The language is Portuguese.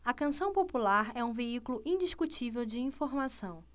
a canção popular é um veículo indiscutível de informação